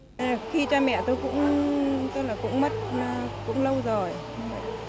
khi cha mẹ tôi cũng tức là cũng mất cũng lâu rồi